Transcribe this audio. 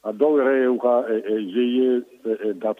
A dɔw yɛrɛ ye ka ze ye datu